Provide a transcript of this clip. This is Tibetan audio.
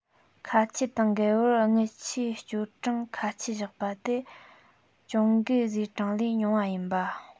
ཁ ཆད དང འགལ བར དངུལ ཆད གཅོད གྲངས ཁ ཆད བཞག པ དེ གྱོང གུན བཟོས གྲངས ལས ཉུང བ ཡིན པ